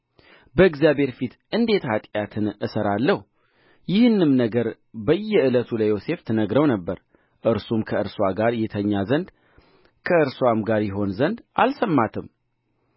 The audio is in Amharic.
እንዲህም ሆነ ልብሱን ትቶ ወደ ውጭ እንደ ሸሸ ባየች ጊዜ